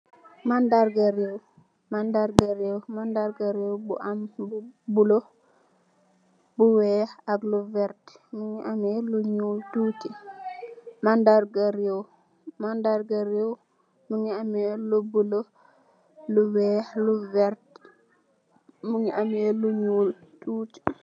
Mandarga reew, bu am lu buleuh, lu weeh, ak lu vert, mungi ameh lu nyuul tuti.